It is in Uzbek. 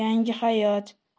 yangi hayot